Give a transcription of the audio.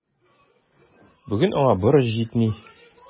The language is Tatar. Бүген аңа борыч җитми.